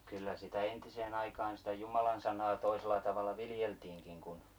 kyllä sitä entiseen aikaan sitä Jumalan sanaa toisella tavalla viljeltiinkin kuin